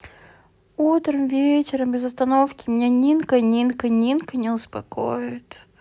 утром вечером без остановки меня нинка нинка нинка не успокоит